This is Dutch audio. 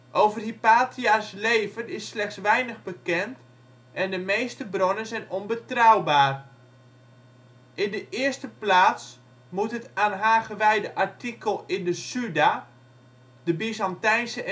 Over Hypatia 's leven is slechts weinig bekend en de meeste bronnen zijn onbetrouwbaar. In de eerste plaats moet het aan haar gewijde artikel in de Suda, de Byzantijnse encyclopedie